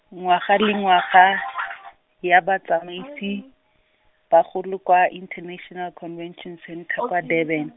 ngwaga le ngwaga ya Batsamaisi, bagolo kwa International Convention Centre kwa Durban.